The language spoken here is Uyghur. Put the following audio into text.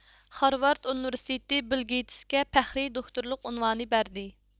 خارۋارد ئۇنىۋېرسىتېتى بىل گېيتىسكە پەخرىي دوكتورلۇق ئۇنۋانى بەردى